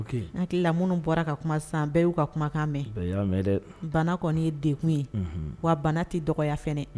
ok n hakili la minnu bɔra ka kuma sisan bɛɛ y'u ka kumakan mɛn, bɛɛ y'a mɛn dɛ, bana kɔni ye degun ye, unhun, wa bana tɛ dɔgɔya fana